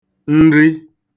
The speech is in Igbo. nri